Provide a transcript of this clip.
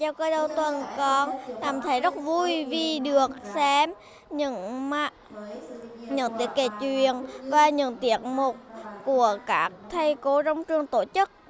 chào cờ đầu tuần con cảm thấy rất vui vì được xem những mạn nhưng tiết kể chuyện và những tiết mục của các thầy cô trong trường tổ chức